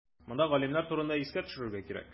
Монда галимнәр турында искә төшерергә кирәк.